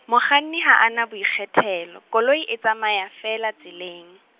mokganni ha a na boikgethelo, koloi e tsamaya feela tseleng.